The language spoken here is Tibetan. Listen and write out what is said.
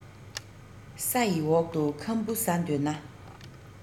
ས ཡི འོག ཏུ ཁམ བུ ཟ འདོད ན